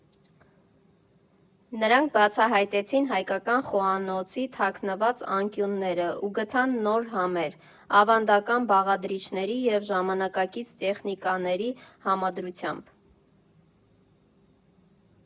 Նրանք բացահայտեցին հայկական խոհանոցի թաքնված անկյունները ու գտան նոր համեր՝ ավանդական բաղադրիչների և ժամանակակից տեխնիկաների համադրությամբ։